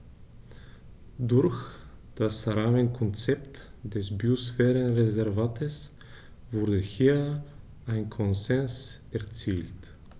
Durch das Rahmenkonzept des Biosphärenreservates wurde hier ein Konsens erzielt.